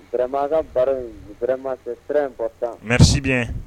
Sirama ka baro inmaere in tanmerisibi